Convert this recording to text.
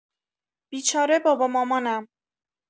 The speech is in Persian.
بیچاره بابا مامانم!